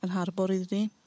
yn harbwr iddyn ni.